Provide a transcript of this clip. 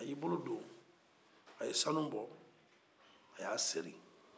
a y'e bolo don a ye sanu bɔ a y'a sere